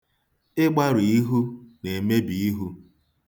Ịgbarụ ihu na-emebi ihu.